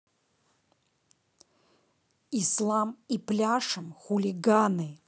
ислам и пляшем хулиганы